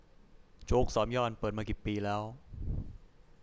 โจ๊กสามย่านเปิดมากี่ปีแล้ว